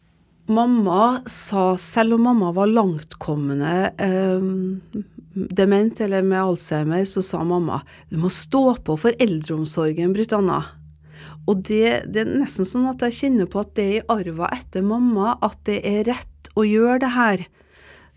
mamma sa selv om mamma var langtkommende dement eller med Alzheimer så sa mamma du må stå på for eldreomsorgen Brit Anna og det det er nesten sånn at jeg kjenner på at det er i arva etter mamma at det er rett å gjøre det her.